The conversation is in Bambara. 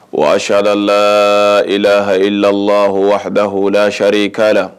Waaadala i lahalalahadahadaharikala la